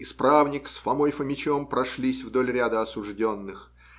Исправник с Фомой Фомичом прошлись вдоль ряда осужденных.